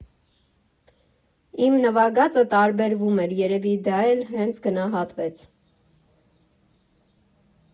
Իմ նվագածը տարբերվում էր, երևի դա էլ հենց գնահատվեց։